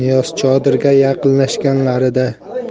niyoz chodirga yaqinlashganlarida